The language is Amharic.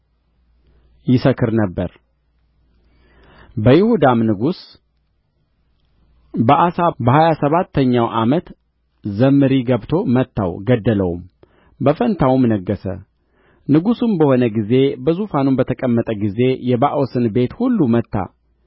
ይሰክር ነበር በይሁዳም ንጉሥ በአሳ በሀያ ሰባተኛው ዓመት ዘምሪ ገብቶ መታው ገደለውም በፋንታውም ነገሠ ንጉሥም በሆነ ጊዜ በዙፋኑም በተቀመጠ ጊዜ የባኦስን ቤት ሁሉ መታ